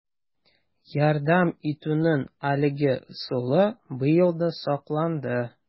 Ярдәм итүнең әлеге ысулы быел да сакланды: